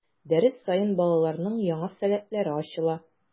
Дәрес саен балаларның яңа сәләтләре ачыла.